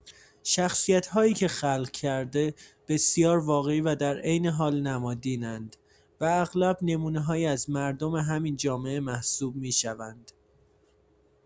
شخصیت‌هایی که خلق کرده، بسیار واقعی و در عین حال نمادین‌اند و اغلب نمونه‌هایی از مردم همین جامعه محسوب می‌شوند.